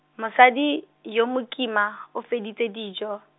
mosadi, yo mokima, o feditse dijo.